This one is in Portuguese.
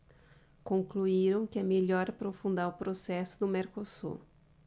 concluíram que é melhor aprofundar o processo do mercosul